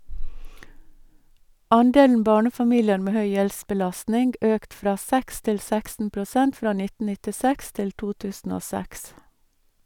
Andelen barnefamilier med høy gjeldsbelastning økt fra 6 til 16 prosent fra 1996 til 2006.